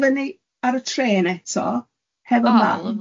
A fuo ni fyny ar y trên eto, hefo mam.